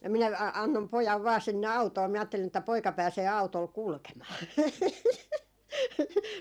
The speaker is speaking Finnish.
minä annoin pojan vain sinne autoon minä ajattelin että poika pääsee autolla kulkemaan